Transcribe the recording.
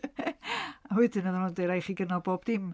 A wedyn oedden nhw'n deud "Raid chi gynnal bob dim".